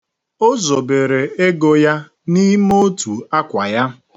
O zobere ego ya n'ime otu ákwà ya.